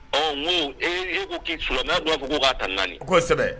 Ɔ ko ee e ko' fila n'a ga ko'a taa naani kosɛbɛ